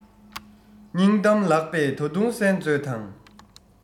སྙིང གཏམ ལགས པས ད དུང གསན མཛོད དང